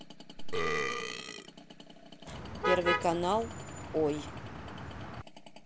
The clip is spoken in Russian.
первый канал ой